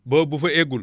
boobu bu fa eggul